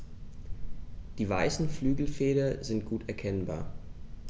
Die weißen Flügelfelder sind gut erkennbar.